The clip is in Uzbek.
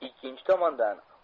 ikkinchi tomondan